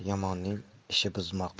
yomonning ishi buzmoq